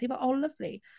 A oedd hi fel oh lovely.